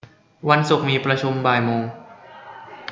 วันศุกร์มีประชุมบ่ายโมง